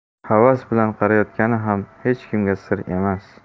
havas bilan qarayotgani ham hech kimga sir emas